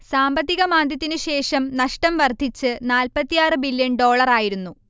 സാമ്പത്തിക മാന്ദ്യത്തിനുശേഷം നഷ്ടം വർധിച്ച് നാല്പ്പത്തിയാറ് ബില്യൺ ഡോളറായിരുന്നു